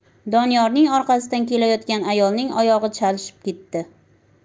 doniyorning orqasidan kelayotgan ayolning oyog'i chalishib ketdi